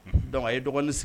Dɔnku a ye dɔgɔnini sigi